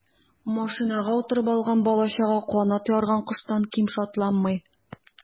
Машинага утырып алган бала-чага канат ярган коштан ким шатланмый.